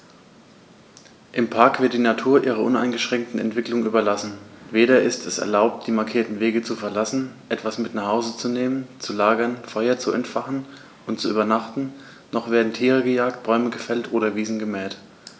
Im Park wird die Natur ihrer uneingeschränkten Entwicklung überlassen; weder ist es erlaubt, die markierten Wege zu verlassen, etwas mit nach Hause zu nehmen, zu lagern, Feuer zu entfachen und zu übernachten, noch werden Tiere gejagt, Bäume gefällt oder Wiesen gemäht.